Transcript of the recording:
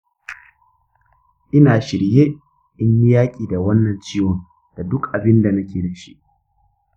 ina shirye in yi yaƙi da wannan ciwon da duk abin da nake da shi.